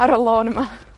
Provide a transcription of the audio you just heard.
ar y lôn yma.